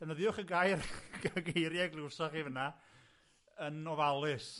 ...defnyddiwch y gair y geirie y glywsoch chi fan 'na yn ofalus.